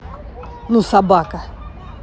ну собака